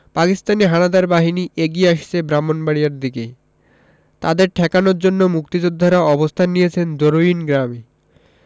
পাকিস্তানি হানাদার বাহিনী এগিয়ে আসছে ব্রাহ্মনবাড়িয়ার দিকে তাদের ঠেকানোর জন্য মুক্তিযোদ্ধারা অবস্থান নিয়েছেন দরুইন গ্রামে